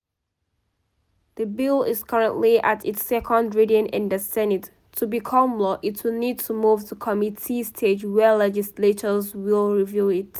The bill is currently at its second reading in the Senate. To become law, it will need to move to committee stage where legislators will review it.